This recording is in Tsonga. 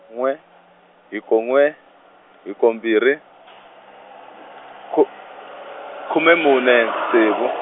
n'we, hiko n'we, hiko mbirhi , khu-, khume mune, ntsevu.